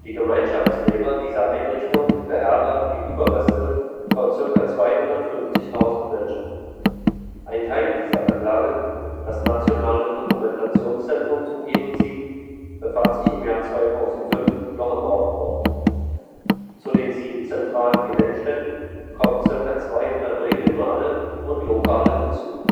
Gemeinschaftsgräber dieser Einrichtung beherbergen die Überreste von zirka 250.000 Menschen. Ein Teil dieser Anlage, das nationale Dokumentationszentrum zum Genozid, befand sich im Jahr 2005 noch im Aufbau. Zu den sieben zentralen Gedenkstätten kommen zirka 200 regionale und lokale hinzu